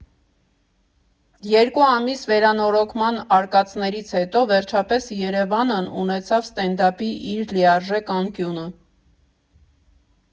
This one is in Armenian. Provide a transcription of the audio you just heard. Երկու ամիս վերանորոգման արկածներից հետո վերջապես Երևանն ունեցավ ստենդափի իր լիարժեք անկյունը։